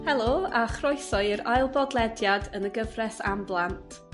Helo a chroeso i'r ail bodlediad yn y gyfres am blant.